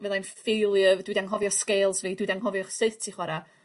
fyddai'n failiure dwi 'di anghofio scales fi dwi 'di anghofio sut i chwara